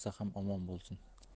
ham omon bo'lsin